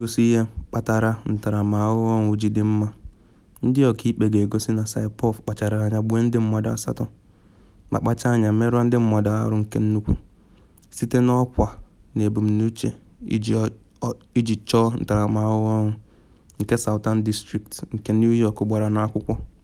Iji gosi ihe kpatara ntaramahụhụ ọnwụ ji dị mma, ndị ọkaikpe ga-egosi na Saipov “kpachara anya” gbuo ndị mmadụ asatọ ma “kpachara anya” merụọ ndị mmadụ nnukwu ahụ, site n’ọkwa nke ebumnuche iji chọọ ntaramahụhụ ọnwụ, nke Southern District nke New York gbara n’akwụkwọ.